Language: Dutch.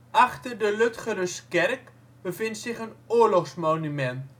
Achter de Ludgeruskerk bevindt zich een oorlogsmonument